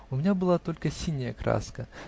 У меня была только синяя краска